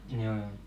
joo joo